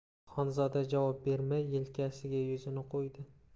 xonzoda javob bermay yelkasiga yuzini qo'ydi